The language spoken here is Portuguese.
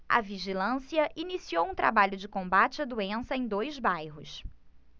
a vigilância iniciou um trabalho de combate à doença em dois bairros